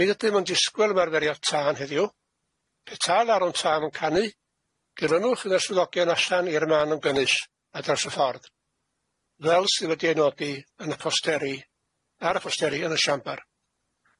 Nid ydym yn disgwyl ymarferio tân heddiw, petai larwn tân yn canu, dilynwch un o'r swyddogion allan i'r man ymgynull a draws y ffordd, fel sydd wedi ei nodi yn y posteri ar y posteri yn y siambar.